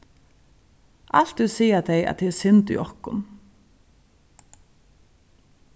altíð siga tey at tað er synd í okkum